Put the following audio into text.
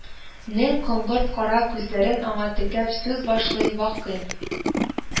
Нең коңгырт кара күзләрен аңа текәп сүз башлый вакыйф